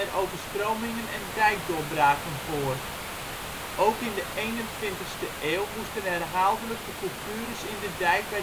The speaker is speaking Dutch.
overstromingen en dijkdoorbraken voor. Ook in de 21ste eeuw moesten herhaaldelijk de coupures in de dijk